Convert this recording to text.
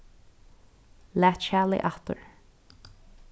lat skjalið aftur